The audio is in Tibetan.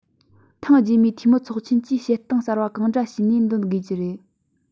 ཐེངས རྗེས མའི འཐུས མིའི ཚོགས ཆེན གྱིས བཤད སྟངས གསར པ གང འདྲ བྱས ནས འདོན དགོས ཀྱི རེད